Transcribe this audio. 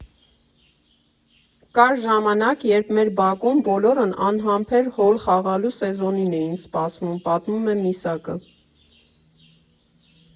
Կար ժամանակ, երբ մեր բակում բոլորն անհամբեր հոլ խաղալու սեզոնին էին սպասում, ֊ պատմում է Միսակը։